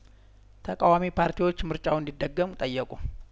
ተቃዋሚ ፓርቲዎች ምርጫው እንዲ ደገም ጠየቁ